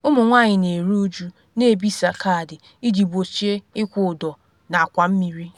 Ụmụ nwanyị na eru uju na ebisa kaadị iji gbochie ịkwụ ụdọ n’akwa mmiri